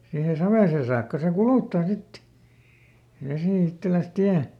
siihen saviseen saakka se kuluttaa sitten vesi itselleen tien